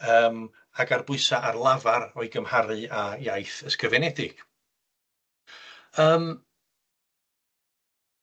yym ag ar bwysa' ar lafar o'i gymharu â iaith ysgrifenedig. Yym.